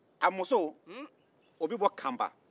a muso o bɛ bɔ kanpa